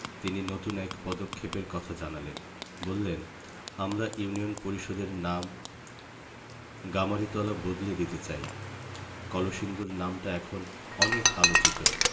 তিনি নতুন এক পদক্ষেপের কথা জানালেন বললেন আমরা ইউনিয়ন পরিষদের নাম গামারিতলা বদলে দিতে চাই কলসিন্দুর নামটা এখন অনেক আলোচিত